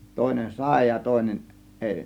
toinen sai ja toinen ei